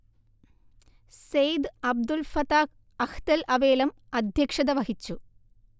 സെയ്ദ് അബ്ദുൽ ഫത്താഹ് അഹ്ദൽ അവേലം അധ്യക്ഷത വഹിച്ചു